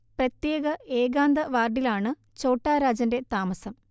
പ്രത്യേക ഏകാന്ത വാർഡിലാണ് ഛോട്ടാ രാജന്റെ താമസം